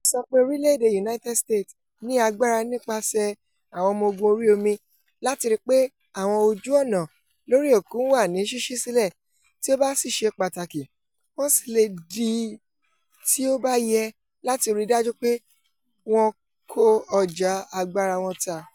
“Ó sọ pé “Oriléèdè United States ní agbára nípasẹ̀ àwọn ọmọ ogun orí omi láti rí i pé àwọn ojú ọ̀nà lórí òkun wà ní ṣíṣílẹ̀, Tí ó bá sì ṣe pàtàkì, wọ́n sì lè dí i tí ó bá yẹ láti rí i dájú pé wọn kò ọ̀jà agbára wọn tà .